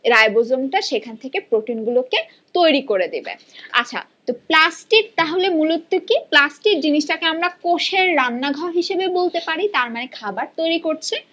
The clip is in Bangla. রাইবোজোম টা সেখান থেকে প্রোটিনগুলোকে তৈরি করে দেবে আচ্ছা প্লাস্টিড তাহলে মূলত কি প্লাস্টিড জিনিস টাকে আমরা কোষের রান্নাঘর হিসেবে বলতে পারি তারমানে খাবার তৈরি করছে